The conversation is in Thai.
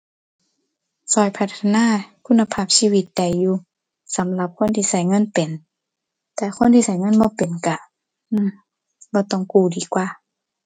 ช่วยพัฒนาคุณภาพชีวิตได้อยู่ สำหรับคนที่ช่วยเงินเป็น แต่คนที่ช่วยเงินบ่เป็นช่วย อือ บ่ต้องกู้ดีกว่า